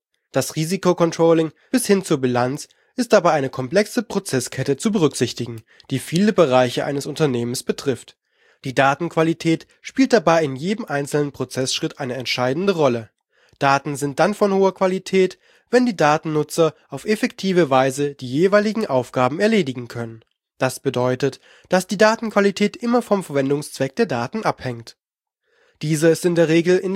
das Risikocontrolling, bis hin zur Bilanz ist eine komplexe Prozesskette zu berücksichtigen, die viele Bereiche eines Unternehmens betrifft. Die Datenqualität spielt dabei in jedem einzelnen Prozessschritt eine entscheidende Rolle. Daten sind dann von hoher Qualität, wenn die Datennutzer auf effektive Weise die jeweiligen Aufgaben erledigen können. Das bedeutet, dass die Datenqualität immer vom Verwendungszweck der Daten abhängt. Dieser ist in der Regel